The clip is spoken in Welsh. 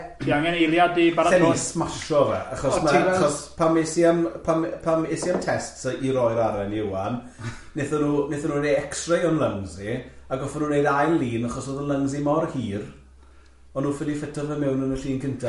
Ti angen eiliad i baratoi? Se ni'n smasho fe, achos ma' achos pan es i am pan es i am tests yy i roi'r aren i Iwan, nethon nhw nethon nhw roid ei X-ray o'n lungs i, a goffon nhw wneud ail un achos o'dd y lungs i mor hir, o'n nhw ffili ffito fe mewn yn y llun cynta.